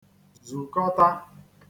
zùkọta